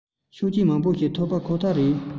ཤུགས རྐྱེན མང པོ ཞིག ཐོབ པ ཁོ ཐག རེད